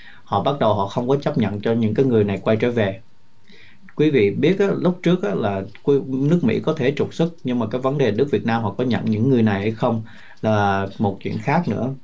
họ bắt đầu họ không có chấp nhận cho những người này quay trở về quý vị biết lúc trước á là quên uống nước mỹ có thể trục xuất nhưng mà cái vấn đề nước việt nam hoặc có nhận những người này hay không là một chuyện khác nữa